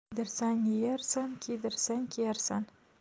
yedirsang yeyarsan kiydirsang kiyarsan